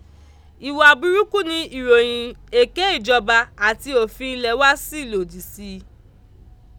Ìwà burúkú ni ìròyìn èké ìjọba àti òfin ilẹ̀ wa si lòdì sí i.